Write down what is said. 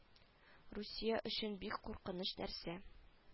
Русия өчен бик куркыныч нәрсә